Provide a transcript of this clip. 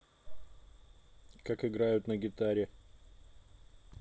как играют на гитаре